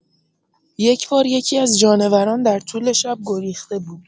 یک‌بار یکی‌از جانوران در طول شب گریخته بود.